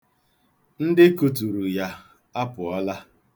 Ndị kụturu ya apụọla.